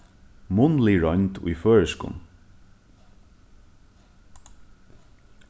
munnlig roynd í føroyskum